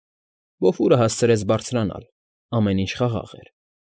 Բոֆուրը հասցրեց բարձրանալ, ամեն ինչ խաղաղ էր։